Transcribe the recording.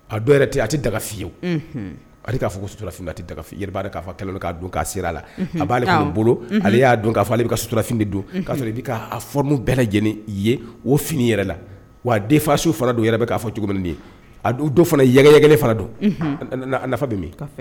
A a tɛ daga fiye o k'a fɔ suturafin a tɛ b'a'a k'a don k'a sera la a b'a' n bolo ale y'a don k'a ale bɛ ka suturafin don'a sɔrɔ i bɛ fr bɛɛ lajɛlen ye o fini yɛrɛ la wa den fasiw fana don yɛrɛ bɛ k'a fɔ cogo ye don fanagɛele fana don nafa bɛ min